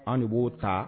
An ni b'o ta